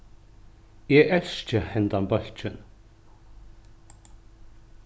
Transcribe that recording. eg elski hendan bólkin